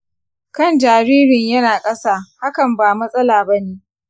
kan jaririn yana ƙasa, hakan ba matsala bane.